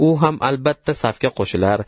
u ham albatta safga qo'shilar